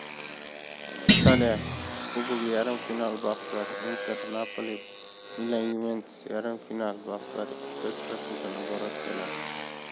italiya kubogiyarim final bahslari inter napoli milan yuventus yarim final bahslari ikkita uchrashuvdan iborat bo'ladi